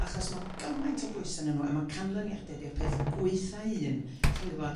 achos ma' gymaint o bwyse a'nyn nhw a ma' canlyniade di'r peth gwaetha un chi'n gw'bod